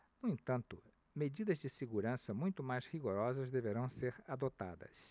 no entanto medidas de segurança muito mais rigorosas deverão ser adotadas